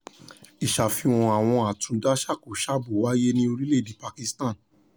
Ìṣàfihàn àwọn Àtúndásákosábo wáyé ní orílẹ̀-èdè Pakistan.